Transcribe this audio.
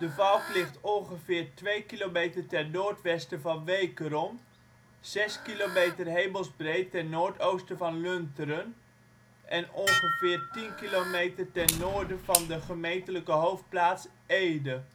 Valk ligt ongeveer twee kilometer ten noordwesten van Wekerom, zes kilometer hemelsbreed ten noordoosten van Lunteren en ongeveer 10 kilometer ten noorden van de gemeentelijke hoofdplaats Ede